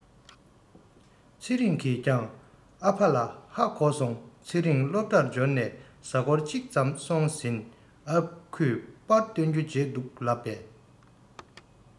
ཚེ རིང གིས ཀྱང ཨ ཕ ལ ཧ གོ སོང ཚེ རིང སློབ གྲྭར འབྱོར ནས གཟའ འཁོར གཅིག ཙམ སོང ཟིན ཨ ཁུས པར བཏོན རྒྱུ བརྗེད འདུག ལབ པས